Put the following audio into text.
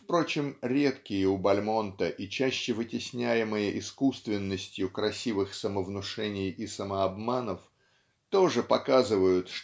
впрочем редкие у Бальмонта и чаще вытесняемые искусственностью красивых самовнушений и самообманов тоже показывают